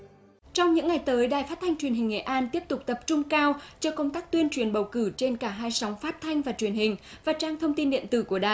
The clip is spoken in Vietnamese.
trong những ngày tới đài phát thanh truyền hình nghệ an tiếp tục tập trung cao cho công tác tuyên truyền bầu cử trên cả hai sóng phát thanh và truyền hình và trang thông tin điện tử của đài